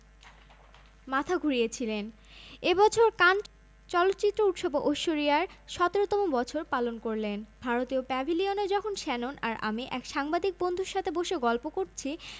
বাংলাদেশের সব ছবির প্রসঙ্গ উঠলো ধানুশ জানালো এখন সে আন্তর্জাতিক ছবিকে গুরুত্ব দিচ্ছে সুতরাং বাংলাতে ভালো ছবি হলেও সে কাজ করবে